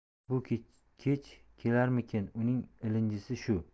bu kech kelarmikin uning ilinji shu